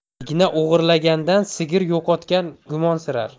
igna o'g'irlagandan sigir yo'qotgan gumonsirar